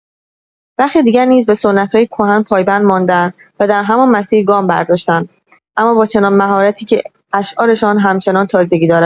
برخی دیگر نیز به سنت‌های کهن پایبند ماندند و در همان مسیر گام برداشتند، اما با چنان مهارتی که اشعارشان همچنان تازگی دارد.